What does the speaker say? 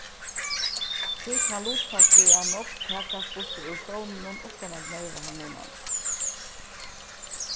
tí kann lutfalsliga nógv takast burtur úr stovninum uttan at nerva hann munandi